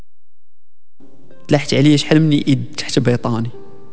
اريد حلمي تحس بريطاني